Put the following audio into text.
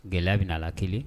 Gɛlɛya bɛ la kelen